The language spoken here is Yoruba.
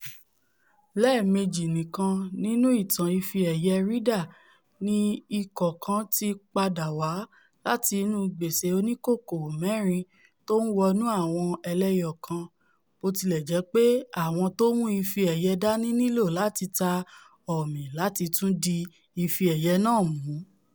Lẹ́ẹ̀mejì nìkan nínú ìtàn Ife-ẹ̀yẹ Ryder ni ikọ̀ kan ti padà wá láti inu gbèsè oníkókó-mẹ́rin tó ńwọnú àwọn ẹlẹ́ẹyọ̀kan, botilẹjẹpe àwọn tómú ife-ẹ̀yẹ dáni nílò láti ta ọ̀mì láti tún di ife-ẹyẹ̀ náà mú.